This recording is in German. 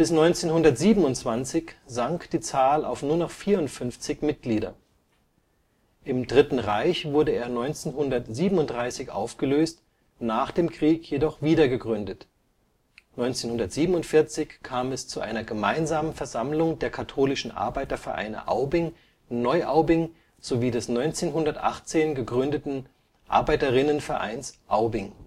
1927 sank die Zahl auf nur noch 54 Mitglieder. Im Dritten Reich wurde er 1937 aufgelöst, nach dem Krieg jedoch wiedergegründet: 1947 kam es zu einer gemeinsamen Versammlung der katholischen Arbeitervereine Aubing, Neuaubing sowie des 1918 gegründeten Arbeiterinnenvereins Aubing